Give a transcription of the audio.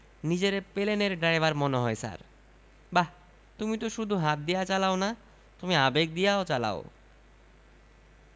নিজেরে পেলেনের ড্রাইভার মনে হয় ছার... বাহ তুমি তো শুধু হাত দিয়া চালাও না তুমি আবেগ দিয়া চালাও